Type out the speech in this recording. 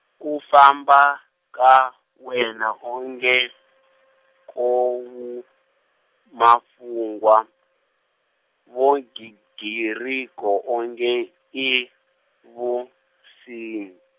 ku famba, ka wena onge, ko w- mafungwa, vugingiriko onge i, vunsin-.